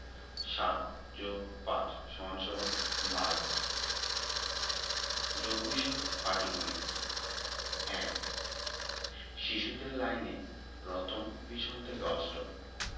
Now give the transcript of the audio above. ৭+৫ = ১২ যোগ বিষয়ক পাটিগনিতঃ ১ শিশুদের লাইনে রতন পিছন থেকে অষ্টম